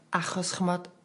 achos ch'mod